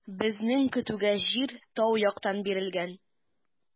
Безнең көтүгә җир тау яктан бирелгән.